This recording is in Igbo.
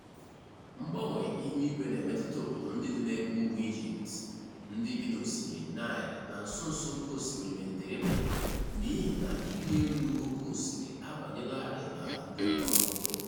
Mgbanwe ihuigwe na-emetụta obodo ndị dị n'ebe ugwu Egypt, ndị bi n'osimiri Nile na nso nso oke osimiri Mediterenian n'ihina ịrị elu oke osimiri abanyelarịị n'ala ndị ọrụugbo.